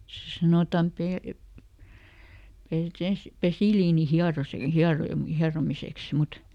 se sanotaan ----- pesiliinihieromiseksi mutta